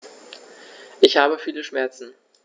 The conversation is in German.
Ich habe viele Schmerzen.